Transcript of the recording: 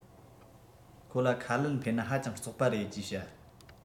ཁོ ལ ཁ ལུད འཕེན ན ཧ ཅང རྩོག པ རེད ཅེས བཤད